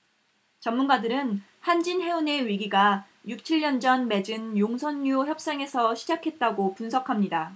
전문가들은 한진해운의 위기가 육 칠 년 전 맺은 용선료 협상에서 시작했다고 분석합니다